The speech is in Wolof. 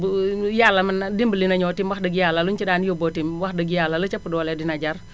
Yàlla mën na dimbali nañooti wax dëgg Yàlla luñu ci daan yóbbooti wax dëgg Yàlla la ca ëpp doole dina jar